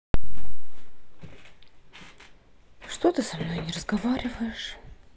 что ты со мной не разговариваешь